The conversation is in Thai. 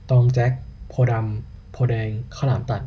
ตองแจ็คโพธิ์ดำโพธิ์แดงข้าวหลามตัด